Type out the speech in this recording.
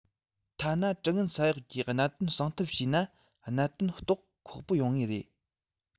ཐ ན དྲི ངན ས གཡོགས ཀྱིས གནད དོན གསང ཐབས བྱས ན གནད དོན རྟོགས ཁག པོ ཡོང ངེས རེད